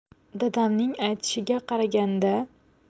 dadamning aytishiga qaraganda